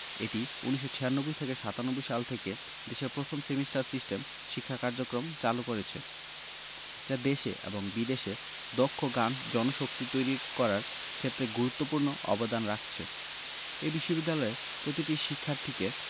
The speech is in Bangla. এটি ১৯৯৬ থেকে ৯৭ সাল থেকে দেশের প্রথম সেমিস্টার সিস্টেম শিক্ষা কার্যক্রম চালু করেছে যা দেশে এবং বিদেশে দক্ষ জনশক্তি তৈরি করার ক্ষেত্রে গুরুত্বপূর্ণ অবদান রাখছে এই বিশ্ববিদ্যালয়ে প্রতিটি শিক্ষার্থীকে